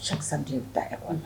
Cɛ san bi bɛ da kɛ kɔnɔ